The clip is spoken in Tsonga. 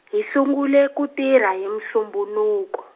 hi sungule ku tirha hi musumbhunuku.